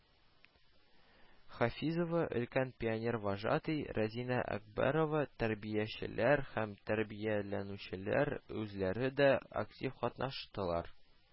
Хафизова, өлкән пионервожатый Рәзинә Әкбәрова, тәрбиячеләр һәм тәрбияләнүчеләр үзләре дә актив катнаштылар